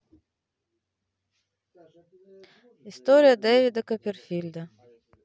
история дэвида копперфильда